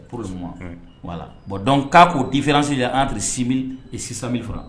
Pur wala bɔn dɔn k'a k'o difiransi an ti si sisan min fara